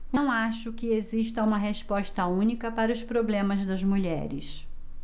não acho que exista uma resposta única para os problemas das mulheres